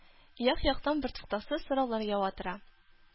Як-яктан бертуктаусыз сораулар ява тора.